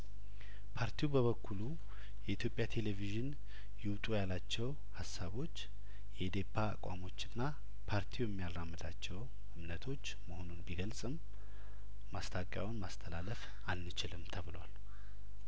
ፓርቲው በበኩሉ የኢትዮጵያ ቴሌቪዥን ይውጡ ያላቸው ሀሳቦች የኢዴፓ አቋሞችና ፓርቲው የሚያራምዳቸው እምነቶች መሆኑን ቢገልጽም ማስታቂያውን ማስተላለፍ አንችልም ተብሏል